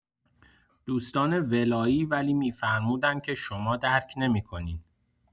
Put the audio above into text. دوستان ولایی ولی می‌فرمودن که شما درک نمی‌کنین.